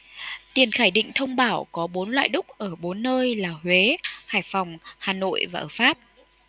tiền khải định thông bảo có bốn loạt đúc ở bốn nơi là huế hải phòng hà nội và ở pháp